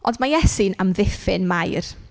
Ond ma' Iesu'n amddiffyn Mair.